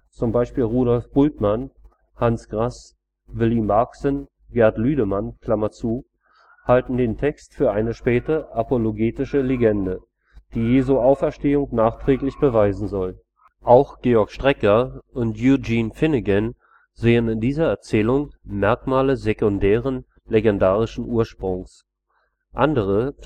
z. B. Rudolf Bultmann, Hans Graß, Willi Marxsen, Gerd Lüdemann) halten den Text für eine späte apologetische Legende, die Jesu Auferstehung nachträglich „ beweisen “sollte. Auch Georg Strecker und Eugene Finegan sehen in dieser Erzählung „ Merkmale sekundären legendarischen Ursprungs “. Andere